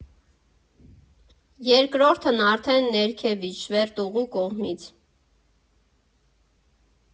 Երկրորդն արդեն ներքևից, չվերթուղու կողմից։